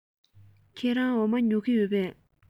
ཁྱེད རང འོ མ ཉོ གི ཡོད པས